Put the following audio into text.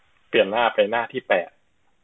เปลี่ยนหน้าไปหน้าที่แปด